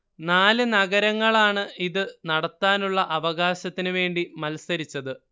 നാല് നഗരങ്ങളാണ് ഇത് നടത്താനുള്ള അവകാശത്തിന് വേണ്ടി മത്സരിച്ചത്